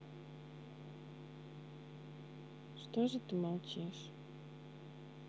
что же ты молчишь